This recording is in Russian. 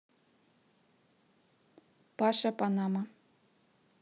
паша панамо